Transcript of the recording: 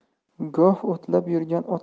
goh o'tlab yurgan